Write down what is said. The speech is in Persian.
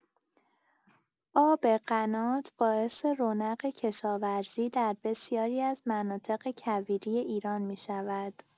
آب قنات باعث رونق کشاورزی در بسیاری از مناطق کویری ایران می‌شود.